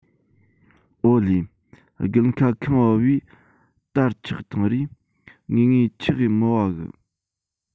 ཨོ ལེ དགུན ཁ ཁངས བབས བས དར ཆགས བཏང རས ངེས ངེས འཁྱགས གས མི བ གི